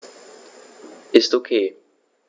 Ist OK.